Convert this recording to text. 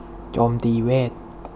โจมตีเวท